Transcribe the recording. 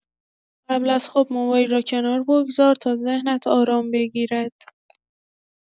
قبل از خواب موبایل را کنار بگذار تا ذهنت آرام بگیرد.